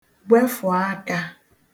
gwefụ̀ akā